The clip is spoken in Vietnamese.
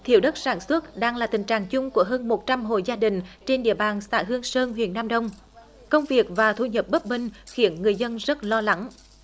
thiếu đất sản xuất đang là tình trạng chung của hơn một trăm hộ gia đình trên địa bàn xã hương sơn huyện nam đông công việc và thu nhập bấp bênh khiến người dân rất lo lắng